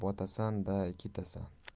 botasan da ketasan